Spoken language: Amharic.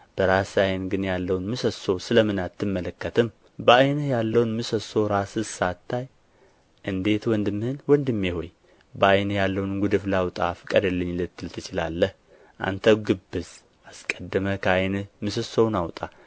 በራስህ ዓይን ግን ያለውን ምሰሶ ስለ ምን አትመለከትም በዓይንህ ያለውን ምሰሶ ራስህ ሳታይ እንዴት ወንድምህን ወንድሜ ሆይ በዓይንህ ያለውን ጉድፍ ላውጣ ፍቀድልኝ ልትል ትችላለህ አንተ ግብዝ አስቀድመህ ከዓይንህ ምሰሶውን አውጣ